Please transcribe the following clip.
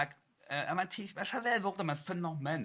Ac yy a ma'n teith- ma'n rhyfeddol 'de, ma'n ffenomen.